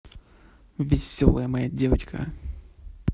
веселая моя девочка